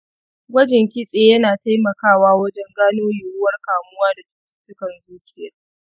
gwajin kitse yana taimakawa wajen gano yiwuwar kamuwa da cututtukan zuciya